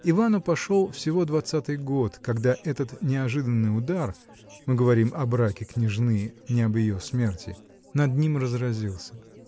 Ивану пошел всего двадцатый год, когда этот неожиданный удар (мы говорим о браке княжны, не об ее смерти) над ним разразился